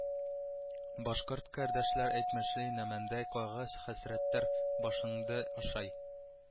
Башкорт кардәшләр әйтмешли нәмәндәй кайгы-хәсрәттәр башыңды ашай